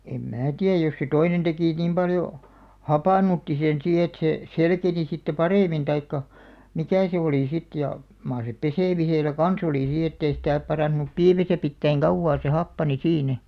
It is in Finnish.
en minä tiedä jos se toinen teki niin paljon hapannutti sen siinä että se selkeni sitten paremmin tai mikä se oli sitten ja mar se pesemisellä kanssa oli siinä että ei sitä parantunut piimässä pitää kauaa se happani siinä